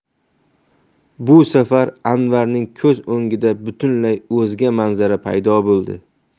bu safar anvarning ko'z o'ngida butunlay o'zga manzara paydo bo'ldi